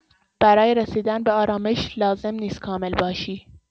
برای رسیدن به آرامش لازم نیست کامل باشی.